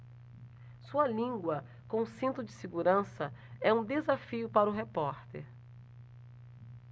sua língua com cinto de segurança é um desafio para o repórter